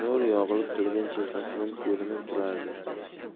yog'ilib turgan chehrasidan ko'rinib turardi